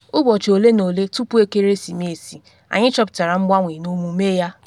“Ụbọchị ole ma ole tupu Ekeresimesi anyị chọpụtara mgbanwe n’omume ya.